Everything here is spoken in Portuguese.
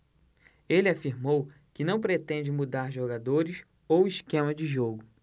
ele afirmou que não pretende mudar jogadores ou esquema de jogo